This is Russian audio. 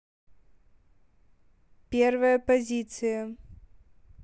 первая позиция